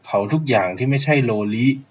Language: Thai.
เผาทุกอย่างที่ไม่ใช่โลลิ